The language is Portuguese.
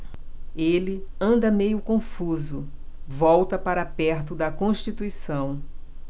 ele ainda meio confuso volta para perto de constituição